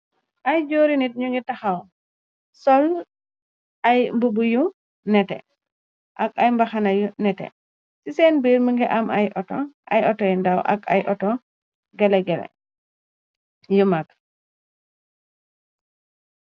Ay jóori nit ñu ngi taxaw , sol ay mbu bu yu nete ak ay mbaxana y nete, ci seen biir më ngi am ay oto ay otoy ndaw ak ay ato gelegele, yu mag.